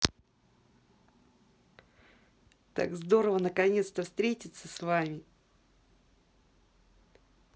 так здорово наконец то встретиться с вами